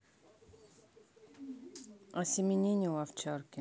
осеменение у овчарки